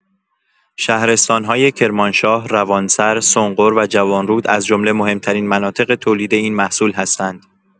شهرستان‌های کرمانشاه، روانسر، سنقر و جوانرود از جمله مهم‌ترین مناطق تولید این محصول هستند.